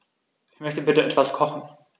Ich möchte bitte etwas kochen.